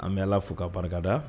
An bɛ ala fo ka barikada